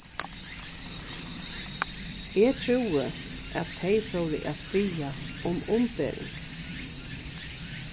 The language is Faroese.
eg trúði at tey fóru at biðja um umbering